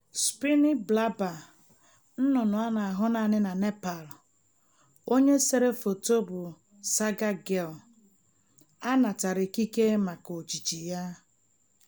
Spiny Blabber, nnụnnụ a na-ahụ naanị na Nepal. Onye sere foto bụ Sagar Girl. A natara ikike maka ojiji ya.